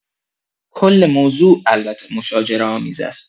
کل موضوع البته مشاجره آمیز است.